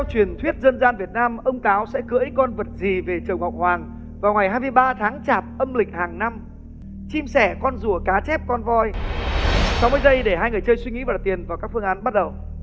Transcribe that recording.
truyền thuyết dân gian việt nam ông táo sẽ cưỡi con vật gì về chầu ngọc hoàng vào ngày hai mươi ba tháng chạp âm lịch hàng năm chim sẻ con rùa cá chép con voi sáu mươi giây để hai người chơi suy nghĩ và đặt tiền vào các phương án bắt đầu